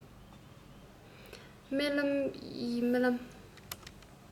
རྨི ལམ ཡ རྨི ལམ